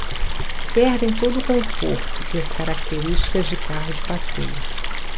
perdem todo o conforto e as características de carro de passeio